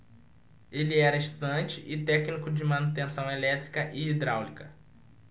ele era estudante e técnico de manutenção elétrica e hidráulica